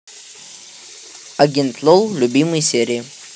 агент лол любимые серии